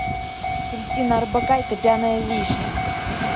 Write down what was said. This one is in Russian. кристина орбакайте пьяная вишня